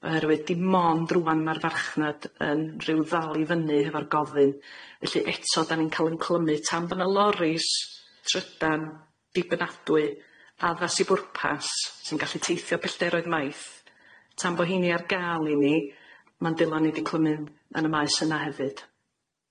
Oherwydd dim ond rŵan ma'r farchnad yn rhyw ddal i fyny hefo'r gofyn felly eto dan ni'n ca'l ym clymu tan bo' na loris trydan dibynadwy addas i bwrpas sy'n gallu teithio pellderoedd maith, tan bo' heini ar ga'l i ni ma'n ddylan i di clymu yn y maes yna hefyd.